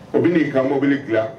O bɛ n'i ka mobile dilan.